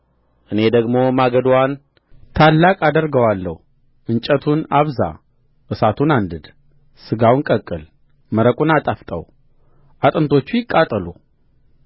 እኔ ደግሞ ማገዶዋን ታላቅ አደርገዋለሁ እንጨቱን አብዛ እሳቱን አንድድ ሥጋውን ቀቅል መረቁን አጣፍጠው አጥንቶቹ ይቃጠሉ